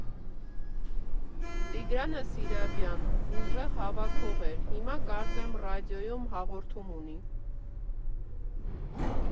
Տիգրանը Սիրավյան ուժեղ հավաքող էր, հիմա կարծեմ ռադիոյում հաղորդում ունի։